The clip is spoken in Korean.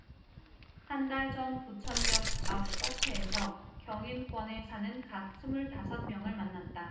한 달 전 부천역 앞 카페에서 경인권에 사는 갓 스물 다섯 명을 만났다